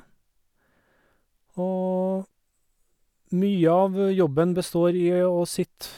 Og mye av jobben består i å sitte.